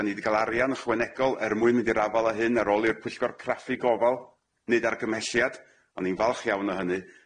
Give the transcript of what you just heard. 'Da ni 'di ga'l arian ychwanegol er mwyn mynd i'r afal â hyn ar ôl i'r pwyllgor craffu gofal neud argymhelliad o'n i'n falch iawn o hynny.